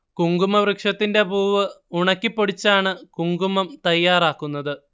കുങ്കുമവൃക്ഷത്തിന്റെ പൂവ് ഉണക്കിപ്പൊടിച്ചാണ് കുങ്കുമം തയ്യാറാക്കുന്നത്